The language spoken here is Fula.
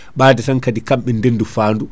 ɓade tan kaadi kamɓe ndendi faandu